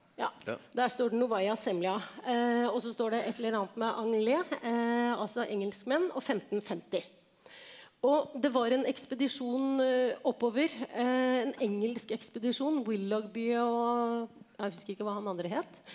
ja der står det Novaya Zemlya også står det et eller annet med altså engelskmenn og femtenfemti, og det var en ekspedisjon oppover en engelsk ekspedisjon og jeg husker ikke hva han andre het.